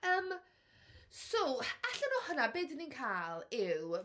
Yym, so allan o hwnna be dan ni'n cael yw...